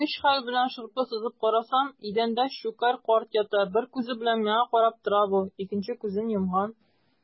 Көч-хәл белән шырпы сызып карасам - идәндә Щукарь карт ята, бер күзе белән миңа карап тора бу, икенче күзен йомган.